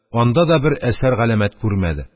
Анда да бер әсәр-галәмәт күрмәде.